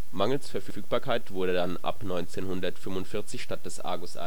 Mangels Verfügbarkeit wurden dann ab 1945 statt des Argus